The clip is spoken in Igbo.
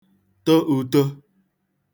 to ūtō